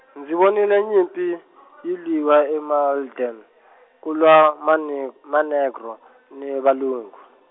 ndzi vonile nyimpi, yi lwiwa e- Malden, ku lwa mane-, manegro ni valungu.